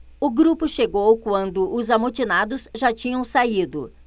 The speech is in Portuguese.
o grupo chegou quando os amotinados já tinham saído